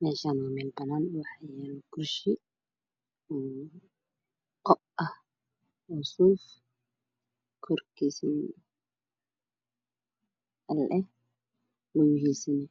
Meeshaan waa meel banaan waxaa yaalo kursi oo safi ah korkiisana dhalo ah lugihiisana